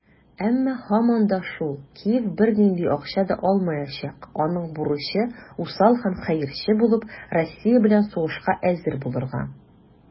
Әмма, һаман да шул, Киев бернинди акча да алмаячак - аның бурычы усал һәм хәерче булып, Россия белән сугышка әзер булырга.